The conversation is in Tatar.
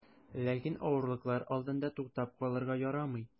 Ләкин авырлыклар алдында туктап калырга ярамый.